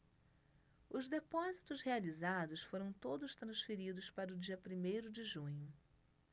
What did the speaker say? os depósitos realizados foram todos transferidos para o dia primeiro de junho